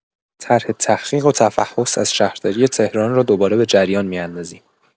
طرح تحقیق و تفحص از شهرداری تهران را دوباره به جریان می‌اندازیم.